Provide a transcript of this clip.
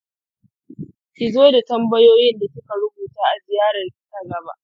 ki zo da tambayoyin da kika rubuta a ziyararki ta gaba.